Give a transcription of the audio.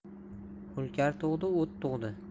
hulkar tug'di o't tug'di